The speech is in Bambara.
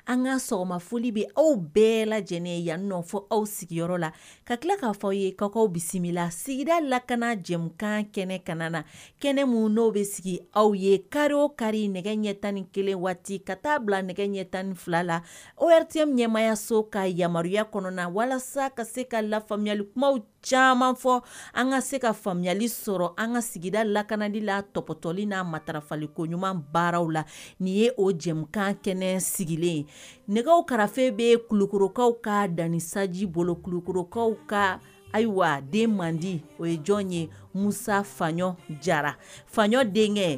An ka sɔgɔma foli bɛ aw bɛɛ lajɛlen yan nɔfɔ aw sigiyɔrɔ la ka tila k'a fɔ aw ye kakaw bisimila sigi lakana jɛkan kɛnɛ ka na kɛnɛ minnu n' bɛ sigi aw ye kari o kari nɛgɛ ɲɛ tan ni kelen waati ka taa bila nɛgɛ ɲɛ tan fila la ote ɲɛmayaso ka yamaruya kɔnɔ walasa ka se ka lafayali kuma caman fɔ an ka se ka fayali sɔrɔ an ka sigida lakanali la tɔptɔli n'a matarafaliko ɲuman baararaww la nin ye o jɛkan kɛnɛ sigilen ye nɛgɛ kɛrɛfɛfe bɛ kulukorokaw ka dansaji bolo kulukaw ka ayiwa den man di o ye jɔn ye musa fa jara fa denkɛ